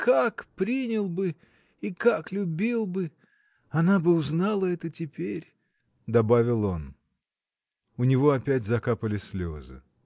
Как принял бы — и как любил бы — она бы узнала это теперь. — добавил он. У него опять закапали слезы.